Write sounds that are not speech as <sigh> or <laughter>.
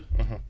<hesitation> <hesitation>